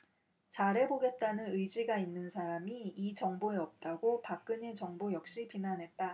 잘해보겠다는 의지가 있는 사람이 이 정부에 없다고 박근혜 정부 역시 비난했다